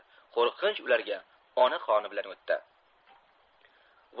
qo'rqinch ularga ona qoni bilan o'tdi